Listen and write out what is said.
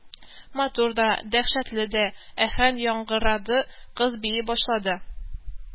Матур да, дәһшәтле дә аһәң яңгырады, кыз бии башлады,